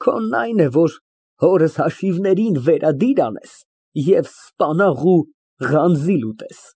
Քոնն այն է, որ հորս հաշիվներին վերադիր անես և սպանաղ ու ղանձիլ ուտես։